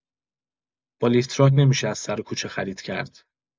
با لیفتراک نمی‌شه از سر کوچه خرید کرد!